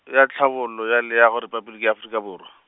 ya Tlhabollo ya Leago Repabliki ya Afrika Borwa.